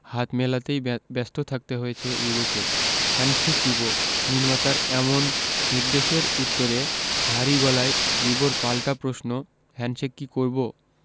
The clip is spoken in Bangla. হাত মেলাতেই ব্যস্ত থাকতে হয়েছে রিবোকে হ্যান্ডশেক রিবো নির্মাতার এমন নির্দেশের উত্তরে ভারী গলায় রিবোর পাল্টা প্রশ্ন হ্যান্ডশেক কি করবো